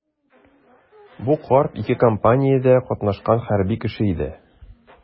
Бу карт ике кампаниядә катнашкан хәрби кеше иде.